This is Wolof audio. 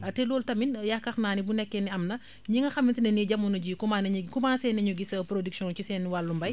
te loolu tamit yaakaar naa ni bu nekkee ni am na ñi nga xamante ne ni jamono jii commen nañuy commencé nañu gis production ci seen wàllu mbay